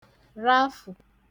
rafù